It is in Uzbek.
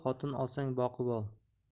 xotin olsang boqib ol